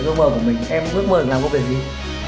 được mơ của mình em ước mơ được làm công việc gì